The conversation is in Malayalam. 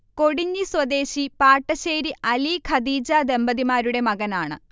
കൊടിഞ്ഞി സ്വദേശി പാട്ടശ്ശേരി അലി -ഖദീജ ദമ്പതിമാരുടെ മകനാണ്